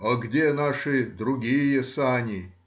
— А где наши другие сани?